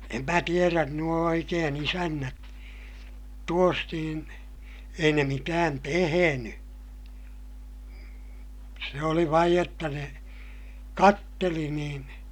en minä tiedä nuo oikein isännät tuossa niin ei ne mitään tehnyt se oli vain jotta ne katseli niin